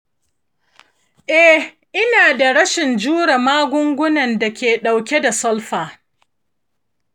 “eh, ina da rashin jure magungunan da ke ɗauke da sulfa.